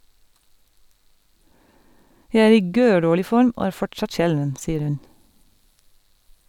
- Jeg er i gørrdårlig form og er fortsatt skjelven, sier hun.